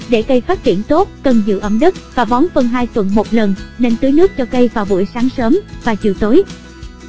để cây phát triển tốt cần giữ ẩm đất và bón phân tuần một lần nên tưới nước cho cây vào buổi sáng sớm và chiều tối